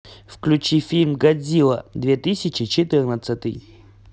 включи фильм годзилла две тысячи четырнадцатый